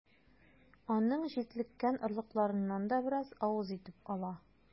Аның җитлеккән орлыкларыннан да бераз авыз итеп ала.